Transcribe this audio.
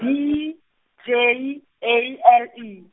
B, J, A L E.